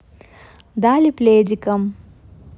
dali пледиком